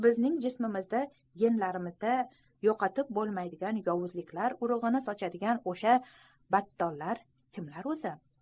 bizning jismimizga genlarimizga yo'qotib bo'lmaydigan yovuzliklar urug'ini ekadigan o'sha battollar kimlar o'zi